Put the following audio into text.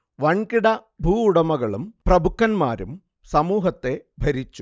വൻകിട ഭൂവുടമകളും പ്രഭുക്കന്മാരും സമൂഹത്തെ ഭരിച്ചു